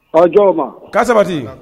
Ɔj ka sabati